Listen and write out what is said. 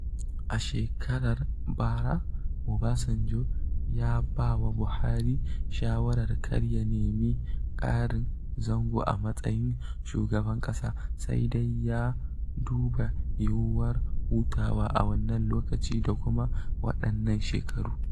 A shekarar bara, Obasanjo ya ba wa Buhari shawarar kar ya nemi ƙarin zango a matsayin shugaban ƙasa, sai dai ya duba yiwuwar hutawa a wannan lokaci da kuma waɗannan shekaru.